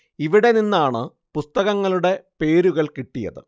ഇവിടെ നിന്നാണ് പുസ്തകങ്ങളുടെ പേരുകൾ കിട്ടിയത്